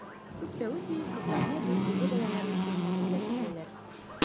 Күп тә үтми кызларны Дүртөйле балалар йортыннан эзләп киләләр.